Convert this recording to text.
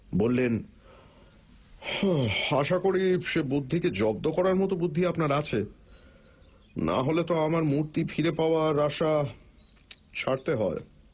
বললেন আশা করি সে বুদ্ধিকে জব্দ করার মতো বুদ্ধি আপনার আছে না হলে তো আমার মূর্তি ফিরে পাবার আশা ছাড়তে হয়